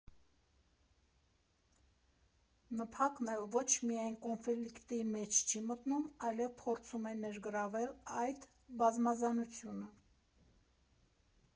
ՆՓԱԿ֊ն էլ ոչ միայն կոնֆլիկտի մեջ չի մտնում, այլև փորձում է ներգրավել այդ բազմազանությունը։